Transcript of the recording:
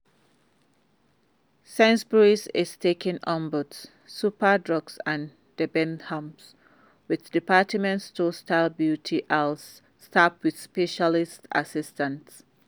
Sainsbury's is taking on Boots, Superdrug and Debenhams with department store-style beauty aisles staffed with specialist assistants.